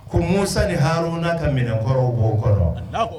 Ko musa ni har n'a ka minɛnkɔrɔw b'o kɔrɔ